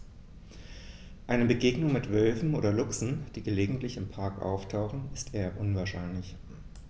Eine Begegnung mit Wölfen oder Luchsen, die gelegentlich im Park auftauchen, ist eher unwahrscheinlich.